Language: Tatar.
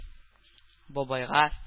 Бабайга